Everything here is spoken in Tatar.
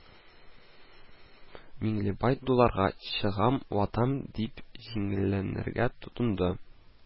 Миңлебай дуларга, "чыгам, ватам", дип җенләнергә тотынды